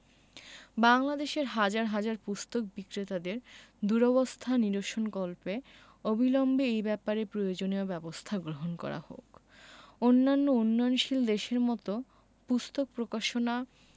বাংলাদেশের হাজার হাজার পুস্তক বিক্রেতাদের দুরবস্থা নিরসনকল্পে অবিলম্বে এই ব্যাপারে প্রয়োজনীয় ব্যাবস্থা গ্রহণ করা হোক অন্যান্য উন্নয়নশীল দেশের মত পুস্তক প্রকাশনা